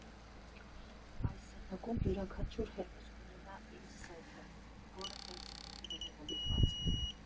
Այս սենյակում յուրաքանչյուր հերոս կունենա իր սեթը, որը հենց իրեն է նվիրված։